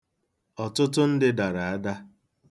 Ọtụtụ ndị dara ada.